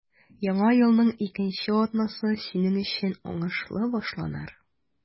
Яңа елның икенче атнасы синең өчен уңышлы башланыр.